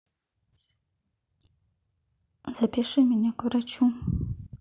запиши меня к врачу